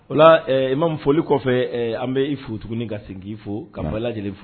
O i ma folili kɔfɛ an bɛ i fo tuguni ka segin k' fo ka lajɛ lajɛlen fo